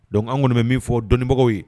Donc an ŋɔni be min fɔ dɔnibagaw ye